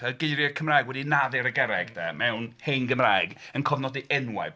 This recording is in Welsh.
Geiriau Cymraeg wedi naddu ar y garreg 'de mewn hen Gymraeg yn cofnodi enwau.